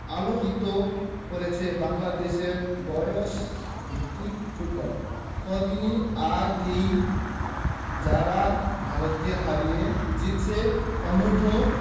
আলোকিত করছে বাংলাদেশের বয়সভিত্তিক ফুটবল কদিন আগেই যারা ভারতকে হারিয়ে জিতেছে অনূর্ধ্ব